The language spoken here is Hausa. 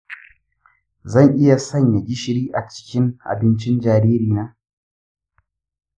zan iya sanya gishiri a cikin abincin jaririna?